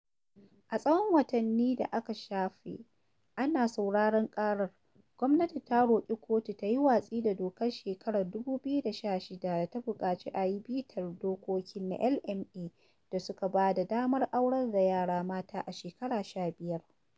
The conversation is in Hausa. A tsawon watanni da aka shafe ana sauraron ƙarar, gwamnati ta roƙi kotu da yi watsi da dokar shekarar 2016 da ta buƙaci a yi bitar dokokin na LMA da suka ba da damar aurar da yara mata a shekara 15.